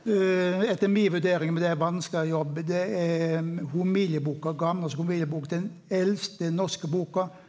etter mi vurdering, men det er ein vanskelegare jobb, det er homilieboka Gamalnorsk homiliebok, den eldste norske boka.